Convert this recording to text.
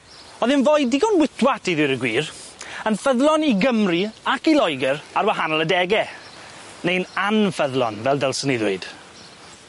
O'dd e'n foi digon witwat i ddeud y gwir, yn ffyddlon i Gymru ac i Loegyr ar wahanol adege, neu'n anfyddlon, fel dylswn i ddweud.